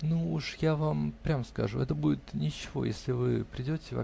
ну, уж я вам прямо скажу: это будет ничего, если и вы придете